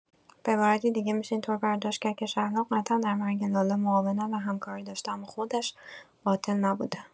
به عبارتی دیگه می‌شه اینطور برداشت کرد که شهلا قطعا در مرگ لاله معاونت و همکاری داشته اما خودش قاتل نبوده.